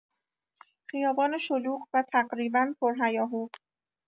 خیابان شلوغ و تقریبا پرهیاهو